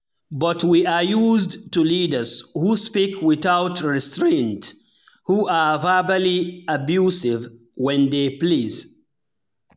But we're used to leaders who speak without restraint, who are verbally abusive when they please.